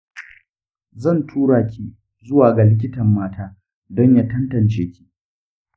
zan turaki zuwa ga likitan mata don ya tantance ki.